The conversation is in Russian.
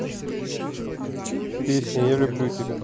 песня я люблю тебя